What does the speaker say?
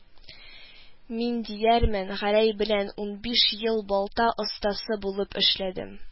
Мин, диярмен, Гәрәй белән унбиш ел балта остасы булып эшләдем